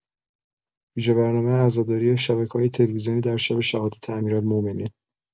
ویژه‌برنامه عزاداری شبکه‌های تلویزیونی در شب شهادت امیرالمومنین